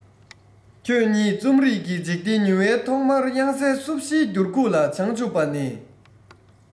ཁྱོད ཉིད རྩོམ རིག གི འཇིག རྟེན ཉུལ བའི ཐོག མར དབྱངས གསལ སོ བཞིའི འགྱུར ཁུག ལ བྱང ཆུབ པ ནས